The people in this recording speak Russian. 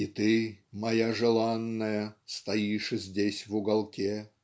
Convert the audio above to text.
И ты, моя желанная, стоишь здесь в уголке